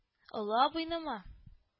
Олы абыйнымы